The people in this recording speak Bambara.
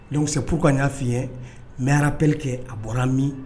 Nip ka n y'a fɔi n mɛyararapli kɛ a bɔra min